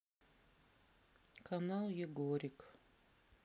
канал егорик